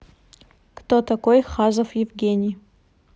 кто такой хазов евгений